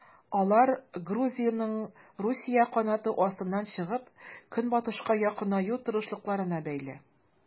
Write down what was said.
Алар Грузиянең Русия канаты астыннан чыгып, Көнбатышка якынаю тырышлыкларына бәйле.